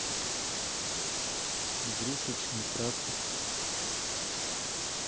игрушечный трактор